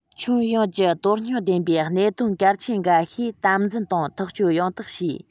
ཁྱོན ཡོངས ཀྱི དོན སྙིང ལྡན པའི གནད དོན གལ ཆེན འགའ ཤས དམ འཛིན དང ཐག གཅོད ཡང དག བྱས